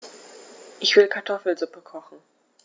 Ich will Kartoffelsuppe kochen.